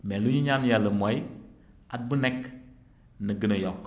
mais lu ñu ñaan Yàlla mooy at bu nekk na gën a yokk